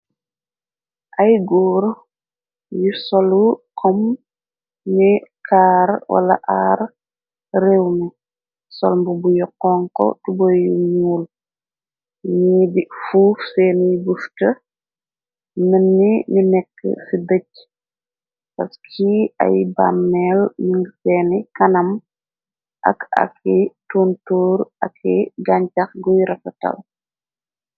Ay góur yu solu xom ñuy kaar wala aar réew ni solmbu buy xon ko tuba yu muul ni di fuuf seeniy buft nenni ñu nekk ci dëcc fas ki ay banmeel ming feeni kanam ak aki tuntuur aki gancax guy rafataw.